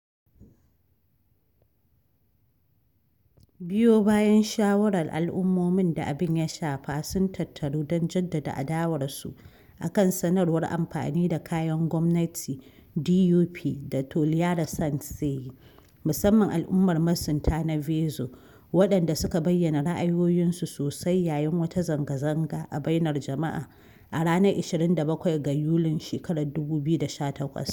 Biyo bayan shawarar, al’ummomin da abin ya shafa sun tattaru don jaddada adawarsu akan sanarwar amfani da Kayan Gwamnati (DUP) da Toliara Sands zai yi, musamman al’ummar masunta na Vezo, waɗanda suka bayyana ra’ayoyinsu sosai yayin wata zanga-zanga a bainar jama’a a ranar 27 ga Yulin 2018.